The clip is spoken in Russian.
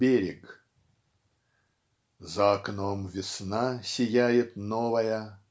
БЕРЕГ За окном весна сияет новая.